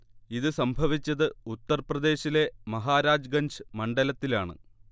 ഇത് സംഭവിച്ചത് ഉത്തർ പ്രദേശിലെ മഹാരാജ്ഗഞ്ച് മണ്ഡലത്തിലാണ്